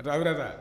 A don a wɛrɛ ta